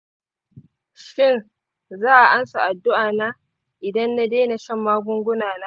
shin za'a ansa addu'a na idan na daina shan magunguna na?